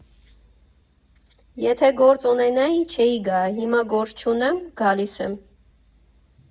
Եթե գործ ունենայի չէի գա, հիմա գործ չունեմ՝ գալիս եմ։